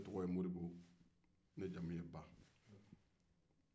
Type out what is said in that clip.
ne tɔgɔ ye moribo ne jamu ye ba